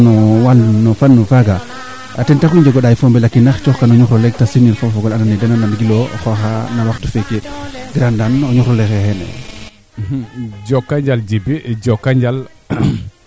kam xa miisaxe sax saltiki ke leyooga nga kaa leyooguye mbaaas yo caxaan ndiinga fadiida a fadiida maanaan a matiida lool boog ndaa ndetyo nu mbigoook